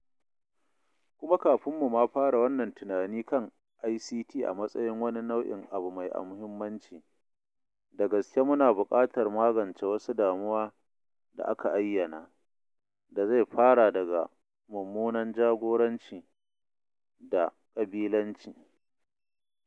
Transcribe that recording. Kuma kafin mu ma fara wannan tunani kan ICT a matsayin wani nau’in “abu mai mahimmanci,” da gaske muna buƙatar magance wasu damuwa da aka ayyana, da zai fara daga mummunan jagoranci da da ƙabilanci.”